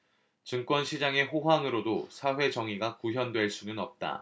증권 시장의 호황으로도 사회 정의가 구현될 수는 없다